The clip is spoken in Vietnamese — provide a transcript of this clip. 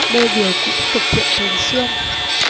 đê điều cũng thực hiện thường xuyên